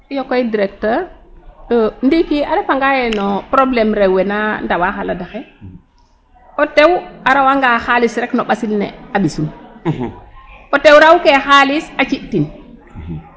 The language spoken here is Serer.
Iyo koy Directeur ndiiki a refanga yee no problème rew we na ndawaa xa lad axe o tew a rawanga xaalis rek o ɓasil ne a ɓisun o tew rawkee xaalis a ci'tin.